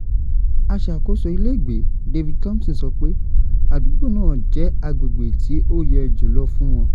Àṣàkóso ilégbèé David Thompson sọ pé adúgbò náà jẹ́ agbègbèi tí ó yẹ jùlọ fún wọn.